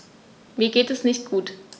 Mir geht es nicht gut.